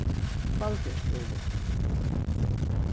hvalbiar skúli